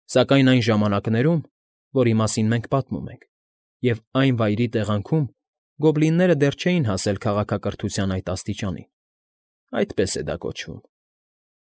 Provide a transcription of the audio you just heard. Սակայն այն ժամանակներում, որի մասին մենք պատմում ենք, և այն վայրի տեղանքում գոբլինները դեռ չէին հասել քաղաքակրթության այդ աստիճանին (այդպես է դա կոչվում)։